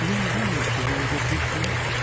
-- Я не думала, что вы уже пришли.